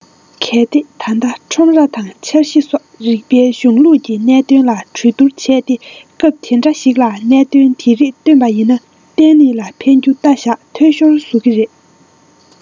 གལ ཏེ ད ལྟ ཁྲོམ ར དང འཆར གཞི སོགས རིགས པའི གཞུང ལུགས ཀྱི གནད དོན ལ གྲོས བསྡུར བྱས ཏེ སྐབས དེ འདྲ ཞིག ལ གནད དོན དེ རིགས བཏོན པ ཡིན ན བརྟན ལྷིང ལ ཕན རྒྱུ ལྟ བཞག འཐུས ཤོར བཟོ གི རེད